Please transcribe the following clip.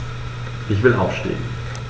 Ich will aufstehen.